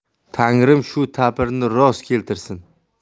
tangrim shu tabirni rost keltirsin